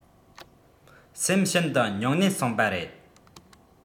སེམས ཤིན དུ སྙིང ནད སངས པ རེད